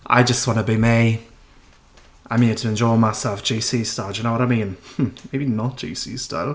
I just want to be me. "I'm here to enjoy myself GC style, do you know what I mean?" Hm, maybe not GC style!